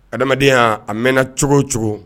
Adamadamadenya a mɛnna cogo o cogo